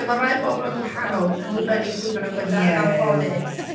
Mae rai bobl yn gwahanol yn dibynnu pwy maen nhw gyda... Ie... yn anffodus.